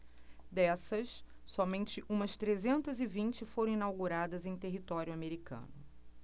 dessas somente umas trezentas e vinte foram inauguradas em território americano